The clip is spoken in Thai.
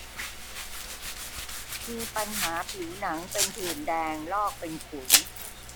มีปัญหาผิวหนังเป็นผื่นแดงลอกเป็นขุย